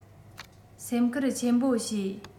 སེམས ཁུར ཆེན པོ བྱེད